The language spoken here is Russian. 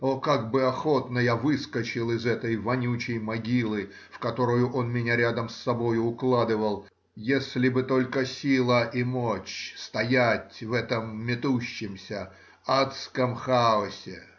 О, как бы охотно я выскочил из этой вонючей могилы, в которую он меня рядом с собою укладывал, если бы только сила и мочь стоять в этом метущемся адском хаосе!